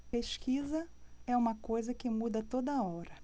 pesquisa é uma coisa que muda a toda hora